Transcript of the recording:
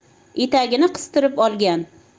etagini qistirib olgan